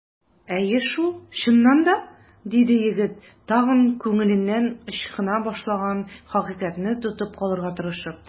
Әйе шул, чыннан да! - диде егет, тагын күңеленнән ычкына башлаган хакыйкатьне тотып калырга тырышып.